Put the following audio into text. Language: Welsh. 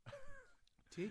Ti?